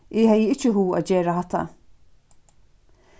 eg hevði ikki hug at gera hatta